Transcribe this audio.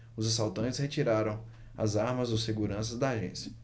os assaltantes retiraram as armas dos seguranças da agência